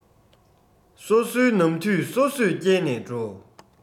སོ སོའི ནམ དུས སོ སོས བསྐྱལ ནས འགྲོ